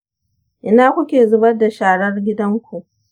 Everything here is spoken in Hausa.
ina kuke zubar da sharar gidanku?